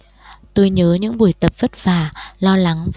tôi nhớ những buổi tập vất vả lo lắng